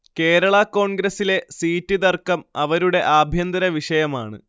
കേരള കോണ്ഗ്രസിലെ സീറ്റ് തര്ക്കം അവരുടെ ആഭ്യന്തര വിഷയമാണ്